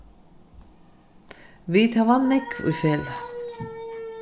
vit hava nógv í felag